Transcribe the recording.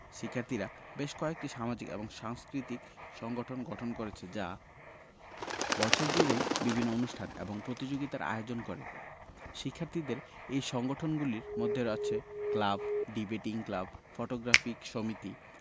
শিক্ষার্থীরা বেশ কয়েকটি সামাজিক এবং সাংস্কৃতিক সংগঠন গঠন করেছে যা বছর জুড়েই বিভিন্ন অনুষ্ঠান এবং প্রতিযোগিতার আয়োজন করে শিক্ষার্থীদের এই সংগঠনগুলির মধ্যে আছে ক্লাব ডিবেটিং ক্লাব ফটোগ্রাফিক সমিতি